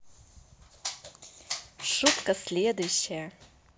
шутка следующая